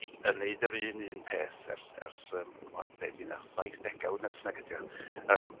i g- yn neud yr un un peth ers ers yym wel be' 'di wnna saith dega nag ydi o. Yym